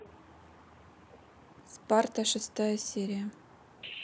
спарта шестая серия